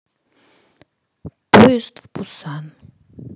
поезд в пуссан